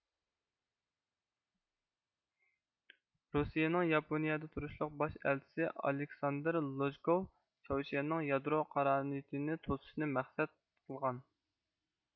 روسىيىنىڭ ياپونىيىدە تۇرۇشلۇق باش ئەلچىسى ئالىكساندېر لوژكوۋ چاۋشيەننىڭ يادرو قارا نىيىتىنى توسۇشنى مەقسەت قىلغان